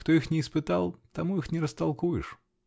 кто их не испытал -- тому их не растолкуешь.